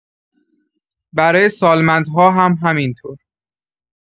برای سالمندها هم همین‌طور.